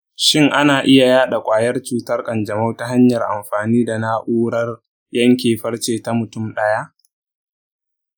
shin ana iya yaɗa ƙwayar cutar kanjamau ta hanyar amfani da na'urar yanke farce ta mutum ɗaya?